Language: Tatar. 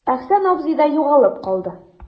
Әхсән абзый да югалып калды.